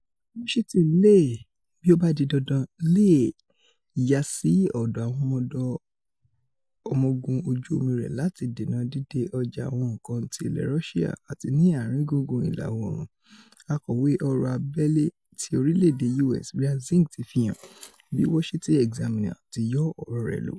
Washington leè ''bí ó bá di dandan'' leè yàsí ọ̀dọ̀ Àwọn Ọmọ Ogun Ojú-omi rẹ̀ lati dènà dídé ọjà àwọn nǹkan ti ilẹ̀ Rọ́síà, àti ni Ààrin Gùngùn Ìlà-oòrun, Akọ̀wé Ọ̀rọ̀ Abẹ́lé ti orilẹ̵-ede US Ryan Zinke ti fihàn, bí Washington Examiner tí yọ ọ̀rọ̀ rẹ̀ lò.